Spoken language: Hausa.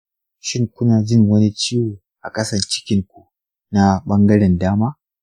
shin kuna jin wani ciwo a ƙasan cikin ku na ɓangaren dama?